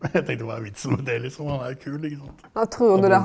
jeg tenkte hva er vitsen med det liksom, han er jo kul ikke sant ,